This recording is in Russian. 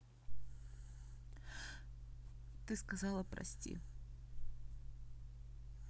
ты сказала прости